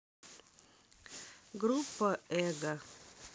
группа эго